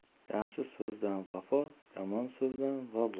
yaxshi so'zdan vafo yomon so'zdan vabo